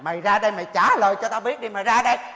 mày ra đây mày trã lời cho tao biết đi mày ra đây